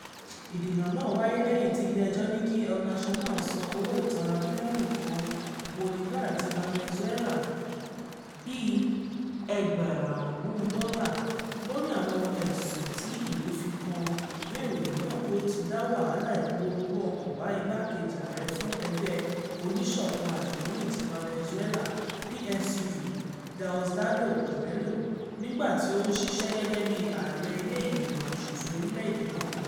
Ìdènà náà wáyé lẹ́yìn tí ilé-ẹjọ́ ní kí El Nacional san owó ìtanràn bílíọ̀nù kan Bolivare ti Venezuela (bíi $10,000 USD), lórí àwọn ẹ̀sùn tí ìlú fi kan ìwé ìròyìn náà pé ó ti dá "wàhálà ìpòruru ọkàn" bá Igbákejì Ààrẹ fún Ẹgbẹ́ Oníṣọ̀kan Àjùmọ̀ní ti Venezuela (PSUV) Diosdado Cabello, nígbà tí ó ń ṣiṣẹ́ gẹ́gẹ́ bíi ààrẹ Ilé-ìgbìmọ̀ aṣòfin Orílẹ̀-èdè náà.